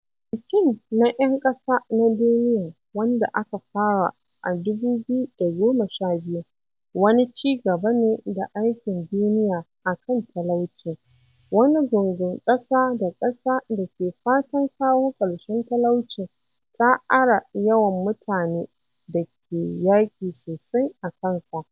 Bikin na 'Yan Ƙasa na Duniya, wanda aka fara a 2012, wani ci gaba ne da Aikin Duniya a kan Talauci, wani gungun ƙasa-da-ƙasa da ke fatan kawo ƙarshen talauci ta ara yawan mutane da ke yaƙi sosai a kansa.